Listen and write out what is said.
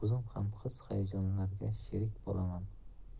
o'zim ham his hayajonlariga sherik bo'laman